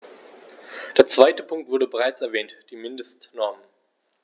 Der zweite Punkt wurde bereits erwähnt: die Mindestnormen.